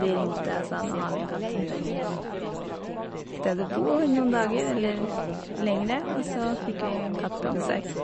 De ringte og sa nå har vi en katt som trenger et sted å bo i noen dager eller lengre, og så fikk vi en katt på besøk.